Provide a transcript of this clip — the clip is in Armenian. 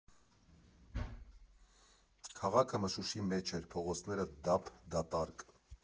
Քաղաքը մշուշի մեջ էր, փողոցները դափ֊դատարկ։